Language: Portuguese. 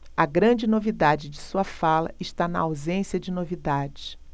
a grande novidade de sua fala está na ausência de novidades